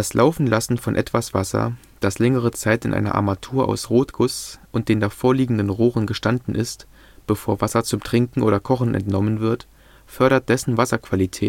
Laufenlassen von etwas Wasser, das längere Zeit in einer Armatur aus Rotguss und den davorliegenden Rohren gestanden ist, bevor Wasser zum Trinken oder Kochen entnommem wird, fördert dessen Wasserqualität